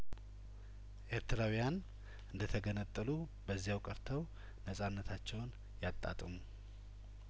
ኤርትራውያን እንደተገነጠሉ በዚያው ቀርተው ነጻነታቸውን ያጣጥሙ